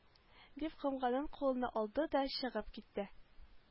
Дип комганын кулына алды да чыгып китте